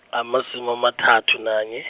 amasumi amathathu nanye.